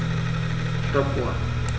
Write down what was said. Stoppuhr.